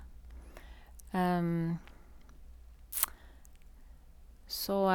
Så...